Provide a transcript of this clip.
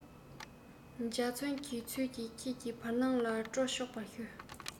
འཇའ ཚོན གྱི ཚུལ གྱིས ཁྱེད ཀྱི བར སྣང ལ སྤྲོས ཆོག པར ཞུ